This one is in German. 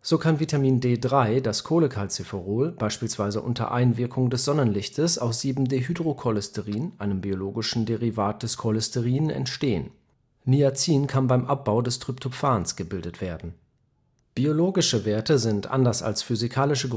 So kann Vitamin D3 Cholecalciferol beispielsweise unter Einwirkung des Sonnenlichtes aus 7-Dehydrocholesterin, einem biologischen Derivat des Cholesterin, entstehen. Niacin kann beim Abbau des Tryptophans gebildet werden. Biologische Werte sind, anders als physikalische